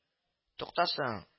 Тукта соң